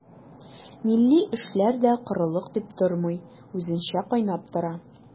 Милли эшләр дә корылык дип тормый, үзенчә кайнап тора.